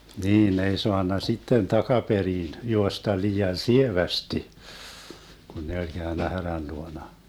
niin ne ei saanut sitten takaperin juosta liian sievästi kun ne oli käynyt härän luona